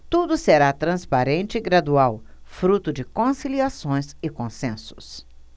tudo será transparente e gradual fruto de conciliações e consensos